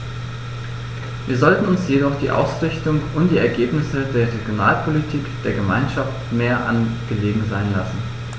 Wir sollten uns jedoch die Ausrichtung und die Ergebnisse der Regionalpolitik der Gemeinschaft mehr angelegen sein lassen.